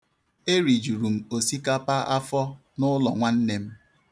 E rijuru m osikapa afọ n'ụlọ nwanne m.